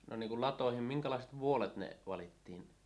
no niin kuin latoihin minkälaiset vuolet ne valittiin